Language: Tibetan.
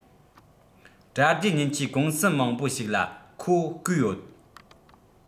དྲ རྒྱའི མཉེན ཆས ཀུང སི མང པོ ཞིག ལ ཁོ བརྐོས ཡོད